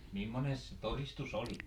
mimmoinen se todistus oli